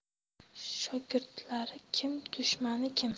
shogirdlari kim dushmani kim